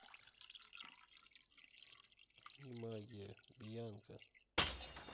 не магия бьянка